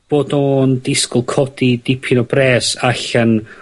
bod o'n disgwl codi dipyn o bres allan